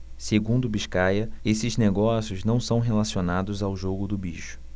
segundo biscaia esses negócios não são relacionados ao jogo do bicho